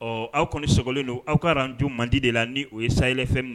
Ɔ aw kɔni sogolen don aw ka radio man di de la ni o ye sahel FM